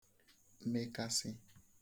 mekasị